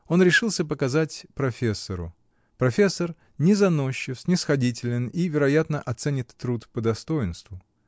Он решился показать профессору: профессор не заносчив, снисходителен и, вероятно, оценит труд по достоинству.